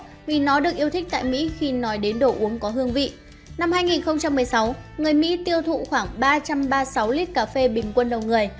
vì nó được yêu thích tại mỹ khi nói đến đồ uống có hương vị năm người mỹ tiêu thụ khoảng lít cà phê bình quân đầu người